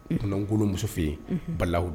U tun ngolomuso fɛ yen balawu don